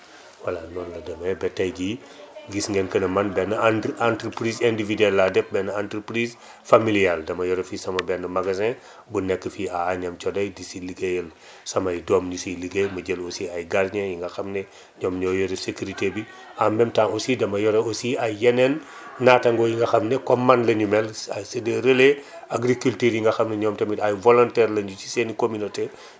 voilà noonu la demee ba tey jii gis ngeen que ne man benn entre entreprise individuelle laa def benn entreprise familiale dama yore fii sama benn magasin bu nekk fii à Agnam Thioday di si liggéeyal samay doom ñu siy liggéey ma jël aussi ay gardiens yi nga xam ne ñoom ñoo yor sécurité bi en même temps aussi dama yore aussi ay yenn yeneen naattango yi nga xam ne comme man lañu mel c' est des relai agriculture yi nga xam ne ñoom tamit ay volontaires lañu ci seen i communautés